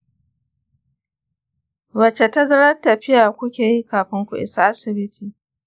wace tazarar tafiya kuke yi kafin ku isa asibiti?